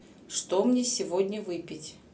что мне сегодня выпить